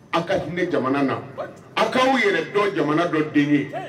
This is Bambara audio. Aw ka hinɛ jamana na a k'an yɛrɛ dɔn jamana dɔ den ye